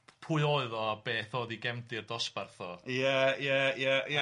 pwy oedd o a beth oedd ei gefndir dosbarth o.. Ia ia ia ia